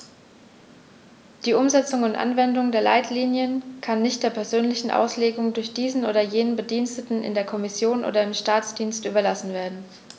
Die Umsetzung und Anwendung der Leitlinien kann nicht der persönlichen Auslegung durch diesen oder jenen Bediensteten in der Kommission oder im Staatsdienst überlassen werden.